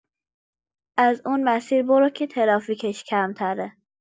از اون مسیر برو که ترافیکش کمتره